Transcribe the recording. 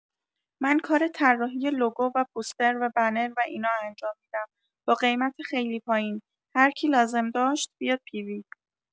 من کار طراحی لوگو و پوستر و بنر و اینا انجام می‌دم با قیمت خیلی پایین هرکی لازم داشت بیاد پی وی